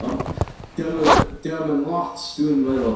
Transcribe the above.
Ond 'di o'm... 'di o'm yn lot dwi'm yn meddwl.